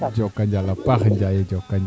jokonjal a paax jokonjal